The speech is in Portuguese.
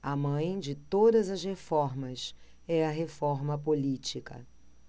a mãe de todas as reformas é a reforma política